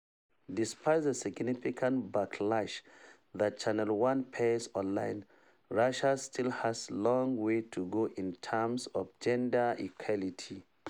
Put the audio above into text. Despite the significant backlash that Channel One faced online, Russia still has a long way to go in terms of gender equality.